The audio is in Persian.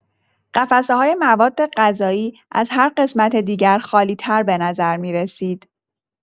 قفسه‌های موادغذایی از هر قسمت دیگر خالی‌تر به‌نظر می‌رسید.